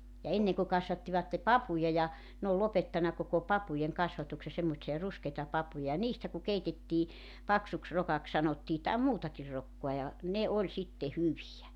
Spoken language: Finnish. ja ennen kun kasvattivat papuja ja ne on lopettanut koko papujen kasvatuksen semmoisia ruskeita papuja ja niistä kun keitettiin paksuksi rokaksi sanottiin tai muutakin rokkaa ja ne oli sitten hyviä